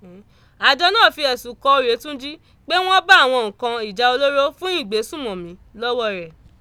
Àjọ náà fi ẹ̀sùn kan Òyetúnjí pé wọ́n bá àwọn nǹkan ìjà olóró fún ìgbésùnmọ̀mí lọ́wọ́ rẹ̀.